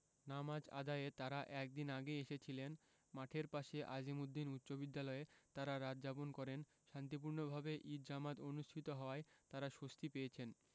নামাজ আদায়ে তাঁরা এক দিন আগেই এসেছিলেন মাঠের পাশে আজিমুদ্দিন উচ্চবিদ্যালয়ে তাঁরা রাত যাপন করেন শান্তিপূর্ণভাবে ঈদ জামাত অনুষ্ঠিত হওয়ায় তাঁরা স্বস্তি পেয়েছেন